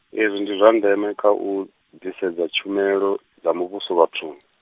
izwi ndi zwa ndeme kha u, ḓisedza tshumelo, dza muvhuso vhathuni.